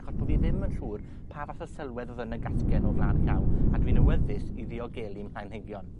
achos bo' fi ddim yn siŵr pa fath o sylwedd o'dd yn y gasgen o flan llaw a dwi'n awyddus i ddiogelu'n planhigion.